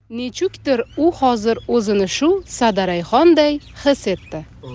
nechukdir u hozir o'zini shu sadarayhonday his etdi